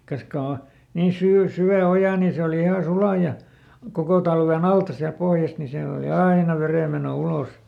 kas kun on niin - syvä oja niin se oli ihan sula ja koko talven alta sieltä pohjasta niin siellä oli aina vedenmeno ulos